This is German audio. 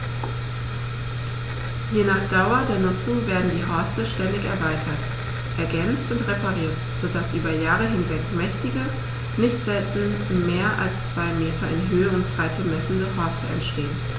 Je nach Dauer der Nutzung werden die Horste ständig erweitert, ergänzt und repariert, so dass über Jahre hinweg mächtige, nicht selten mehr als zwei Meter in Höhe und Breite messende Horste entstehen.